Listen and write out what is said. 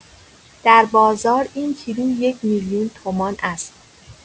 در بازار، این کیلویی یک‌میلیون تومان است.